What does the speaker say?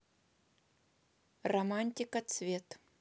романтика цвет